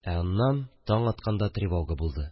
Ә аннан таң атканда тревога булды